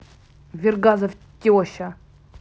вергазов теща